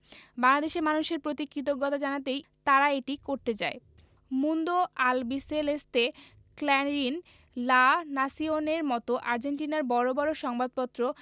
বাংলাদেশের মানুষের প্রতি কৃতজ্ঞতা জানাতেই তারা এটি করতে চায় Mundo Albiceleste Clarin La Nacion র মতো আর্জেন্টিনার বড় বড় সংবাদপত্র